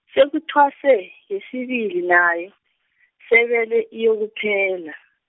sekuthwase, yesibili nayo, sebele iyokuphela.